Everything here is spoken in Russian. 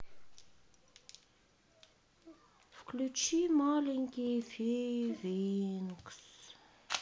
включи маленькие феи винкс